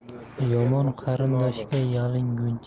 yomon qarindoshga yalinguncha